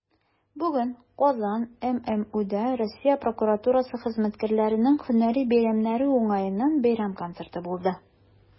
Бүген "Казан" ММҮдә Россия прокуратурасы хезмәткәрләренең һөнәри бәйрәмнәре уңаеннан бәйрәм концерты булды.